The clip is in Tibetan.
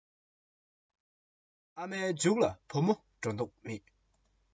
ཨ མའི རྗེས ལ ཨོ ལོ འགྲོ མདོག མེད